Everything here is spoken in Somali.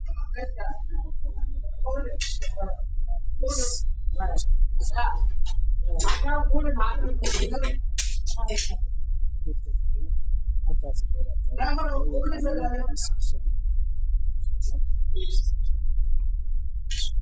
Meeshaan oo meel bannaanna waxyeelo fara badan waxaa ku fadhiyaan mamabooyin iyo odayaal kuraasta waa bulu